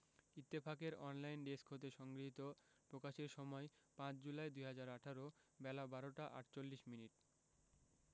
ইত্তফাকের online desk হতে সংগৃহীত প্রকাশের সময় ৫ জুলাই ২০১৮ বেলা১২টা ৪৮ মিনিট